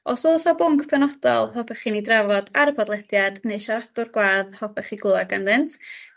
Os o's 'na bwnc penodol hoffech chi ni drafod ar y podlediad neu siaradwr gwadd hoffech chi glwed genddynt